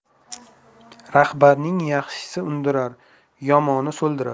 rahbarning yaxshisi undirar yomoni so'ldirar